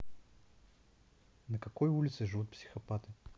на какой улице живут психопаты